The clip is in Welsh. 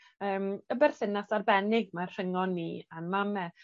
yym y berthynas arbennig ma' rhyngon ni a'n mame.